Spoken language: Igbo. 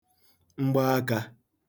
mgbaakā